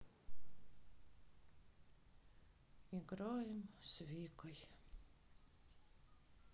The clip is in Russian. играем с викой